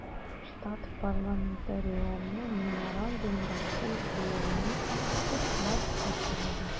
Штат парламентарийлары Меморандумга кул куелуны хуплап каршы алды.